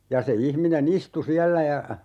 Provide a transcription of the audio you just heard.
ja se ihminen istui siellä ja